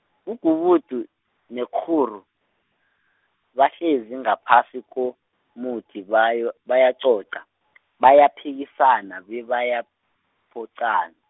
ugubudu, nekghuru, bahlezi ngaphasi komuthi, bayo- bayacoca , bayaphikisana bebayaphoqan-.